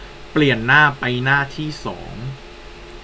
เปลี่ยนหน้าไปหน้าสอง